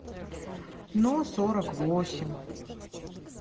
но сорок восемь